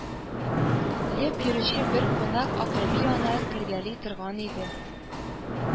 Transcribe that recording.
Леп йөрүче бер кунак акъәби янына кергәли торган иде